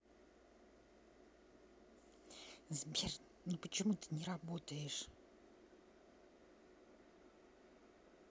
сбер ну почему ты не работаешь